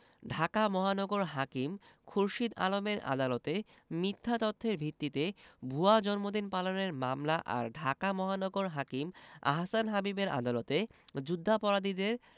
ঢাকা মহানগর হাকিম খুরশীদ আলমের আদালতে মিথ্যা তথ্যের ভিত্তিতে ভুয়া জন্মদিন পালনের মামলা আর ঢাকা মহানগর হাকিম আহসান হাবীবের আদালতে যুদ্ধাপরাধীদের